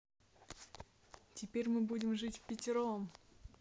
теперь мы будем жить впятером